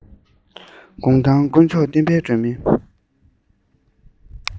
གུང ཐང དཀོན མཆོག བསྟན པའི སྒྲོན མེ